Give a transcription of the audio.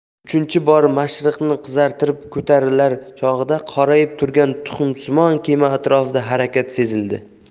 uchinchi bor mashriqni qizartirib ko'tarilar chog'ida qorayib turgan tuxumsimon kema atrofida harakat sezildi